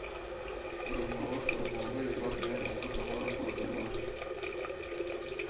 Борылмалы-сырылмалы юллар белән алга таба атладылар